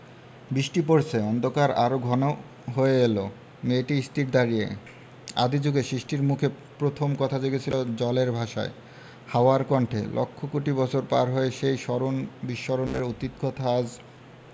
বৃষ্টি পরছে অন্ধকার আরো ঘন হয়ে এল মেয়েটি স্থির দাঁড়িয়ে আদি জুগে সৃষ্টির মুখে প্রথম কথা জেগেছিল জলের ভাষায় হাওয়ার কণ্ঠে লক্ষ কোটি বছর পার হয়ে সেই স্মরণ বিস্মরণের অতীত কথা আজ